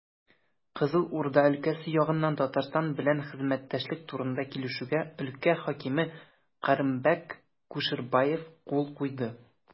Кызыл Урда өлкәсе ягыннан Татарстан белән хезмәттәшлек турында килешүгә өлкә хакиме Кырымбәк Кушербаев кул куйды.